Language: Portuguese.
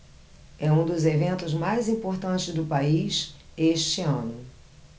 é um dos eventos mais importantes do país este ano